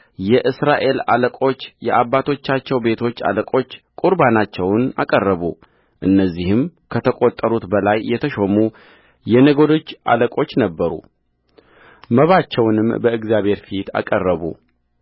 የእስራኤል አለቆች የአባቶቻቸው ቤቶች አለቆች ቍርባናቸውን አቀረቡ እነዚህም ከተቈጠሩት በላይ የተሾሙ የነገዶች አለቆች ነበሩመባቸውንም በእግዚአብሔር ፊት አቀረቡ